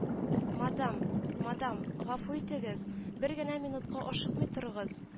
— мадам... мадам, гафу итегез, бер генә минутка ашыкмый торыгыз